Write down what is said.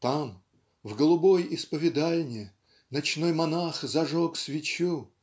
Там, в голубой исповедальне, Ночной монах зажег свечу.